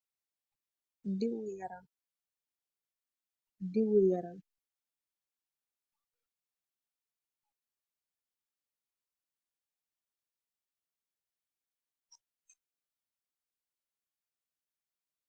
Diwu yaram diwu yaram.